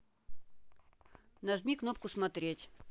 нажми кнопку смотреть